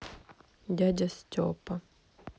дядя степа